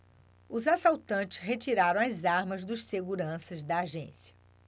os assaltantes retiraram as armas dos seguranças da agência